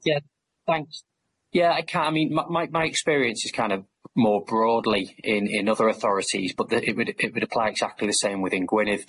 Yym yeah thanks. Yeah I ca- I mean m- my my experience is kind of more broadly in in other authorities but the- it would it would apply exactly the same with in Gwynedd.